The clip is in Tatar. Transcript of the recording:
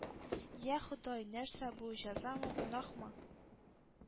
Йә Ходай... Нәрсә бу? Җәзамы? Гөнаһмы?